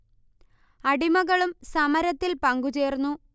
അടിമകളും സമരത്തിൽ പങ്കു ചേർന്നു